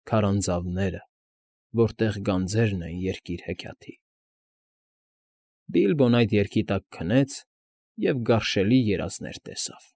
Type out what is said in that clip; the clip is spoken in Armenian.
Քարանձավները, Որտեղ գանձերն են երկիր֊հեքիաթի… Բիլբոն այդ երգի տակ քնեց և գարշելի երազներ տեսավ։